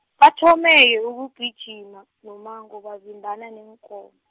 bathome ke ukugijima, nommango bavimbana neenkomo.